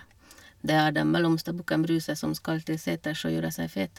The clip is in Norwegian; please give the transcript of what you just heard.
Det er den mellomste bukken Bruse, som skal til seters og gjøre seg fet.